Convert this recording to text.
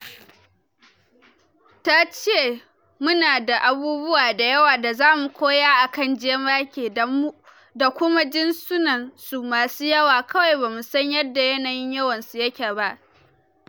Ta ce: “Mu na da abubuwa da yawa da zamu koya akan jemagai da kuma jinsunan su masu yawa kawai bamu san yadda yanayin yawan su yake ba.”